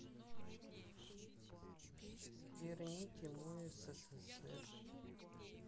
верните мой ссср